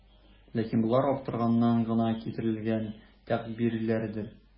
Ләкин болар аптыраганнан гына китерелгән тәгъбирләрдер.